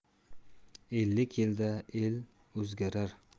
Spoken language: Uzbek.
ellik yilda el o'zgarar